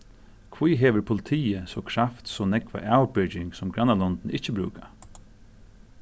hví hevur politiið so kravt so nógva avbyrging sum grannalondini ikki brúka